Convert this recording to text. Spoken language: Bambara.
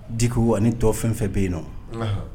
Diku ni tɔ fɛn fɛn bɛ yen nɔ